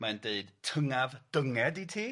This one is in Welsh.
Mae'n deud tyngaf dynged i ti.